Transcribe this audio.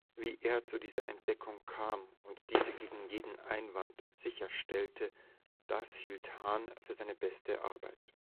Wie er zu dieser Entdeckung kam und diese gegen jeden Einwand sicherstellte, das hielt Hahn für seine beste Arbeit